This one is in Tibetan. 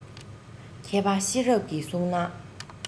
མཁས པ ཤེས རབ ཀྱིས བསྲུང ན